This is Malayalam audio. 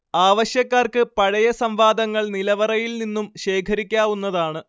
ആവശ്യക്കാർക്ക് പഴയ സംവാദങ്ങൾ നിലവറയിൽ നിന്നും ശേഖരിക്കാവുന്നതാണ്